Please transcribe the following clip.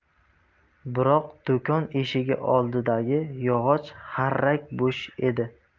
biroq do'kon eshigi oldidagi yog'och xarrak bo'sh edi